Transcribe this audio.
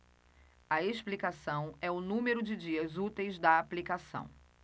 a explicação é o número de dias úteis da aplicação